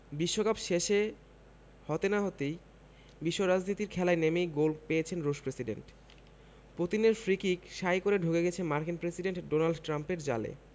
বিশ্বকাপ শেষে হতে না হতেই বিশ্ব রাজনীতির খেলায় নেমেই গোল পেয়েছেন রুশ প্রেসিডেন্ট পুতিনের ফ্রি কিক শাঁই করে ঢুকে গেছে মার্কিন প্রেসিডেন্ট ডোনাল্ড ট্রাম্পের জালে